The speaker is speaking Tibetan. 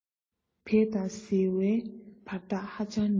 བད དང ཟིལ བའི བར ཐག ཧ ཅང ཉེ